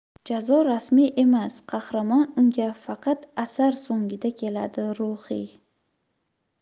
jazo rasmiy emas qahramon unga faqat asar so'ngida keladi ruhiy